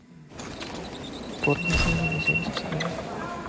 порно с голыми женщинами